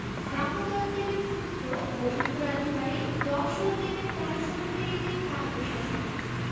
দামোদরদেবের পুত্র ও উত্তরাধিকারী দশরথ দেবের তেরো শতকের একটি তাম্রশাসন